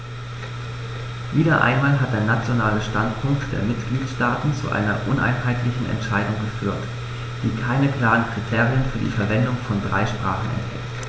Wieder einmal hat der nationale Standpunkt der Mitgliedsstaaten zu einer uneinheitlichen Entscheidung geführt, die keine klaren Kriterien für die Verwendung von drei Sprachen enthält.